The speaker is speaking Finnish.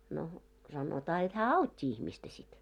no sanotaan jotta hän auttoi ihmistä sitten